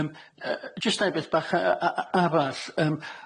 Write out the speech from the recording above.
Yym yy jyst dau beth bach yy a- a- arall yym.